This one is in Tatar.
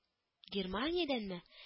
— германиядәнме